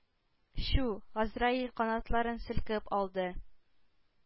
Чү! Газраил канатларын селкеп алды,